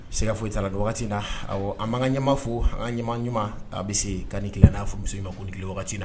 Se ka foyi taara la in na an' ɲɛ fo an ɲɛ ɲuman a bɛ se ka tilen n'a fɔmuso makun na